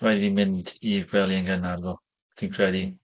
Rhaid i fi mynd i'r gwely yn gynnar ddo, fi'n credu.